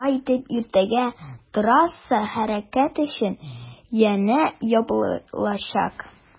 Шулай итеп иртәгә трасса хәрәкәт өчен янә ябылачак.